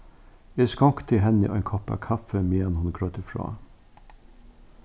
eg skonkti henni ein kopp av kaffi meðan hon greiddi frá